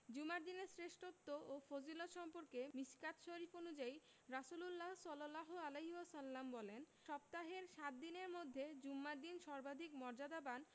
জুমার দিনের শ্রেষ্ঠত্ব ও ফজিলত সম্পর্কে মিশকাত শরিফ অনুযায়ী রাসুলুল্লাহ সাল্লাহু আলাইহি ওয়াসাল্লাম বলেন সপ্তাহের সাত দিনের মধ্যে জুমার দিন সর্বাধিক মর্যাদাবান